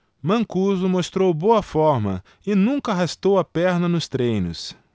mancuso mostrou boa forma e nunca arrastou a perna nos treinos